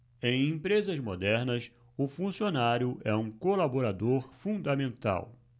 em empresas modernas o funcionário é um colaborador fundamental